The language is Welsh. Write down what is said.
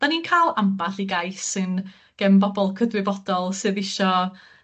'Dan ni'n ca'l amball i gais sy'n gen bobol cydwybodol sydd isio